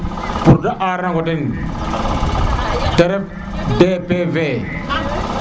pour de ara nongo ten te ref DPV